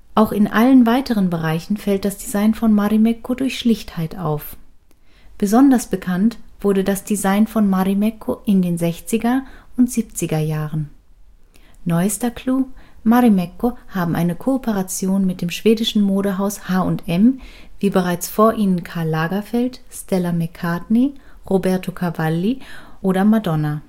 Auch in allen weiteren Bereichen fällt das Design von Marimekko durch Schlichtheit auf. Besonders bekannt wurde das Design von Marimekko in den 60er - und 70er-Jahren. Neuster Clou: Marimekko haben eine Kooperation mit dem schwedischen Modehaus H&M, wie bereits vor ihnen Karl Lagerfeld, Stella McCartney, Roberto Cavalli oder Madonna